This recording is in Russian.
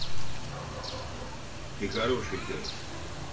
ты хороший пес